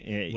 eyyi